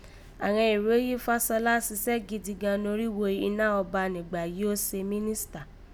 Àghan èrò jí Fásọlá à sisẹ́ gidi norígho iná ọba nìgbà yìí ó se mínístà